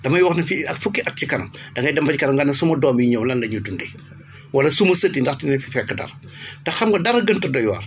damay wax ne fii ak fukki at ci kanam da ngay dem rek nga ne suma doom yiy ñëw lan la ñuy dundee wala suma sët yi ndax dinañ fi fekk dara te xam nga dara gënut a doy waar